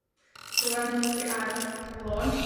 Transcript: Rŵan dwi ar y lôn.